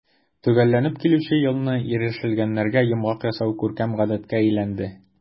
Төгәлләнеп килүче елны ирешелгәннәргә йомгак ясау күркәм гадәткә әйләнде.